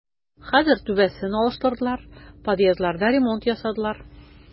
Хәзер түбәсен алыштырдылар, подъездларда ремонт ясадылар.